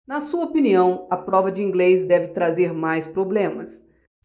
na sua opinião a prova de inglês deve trazer mais problemas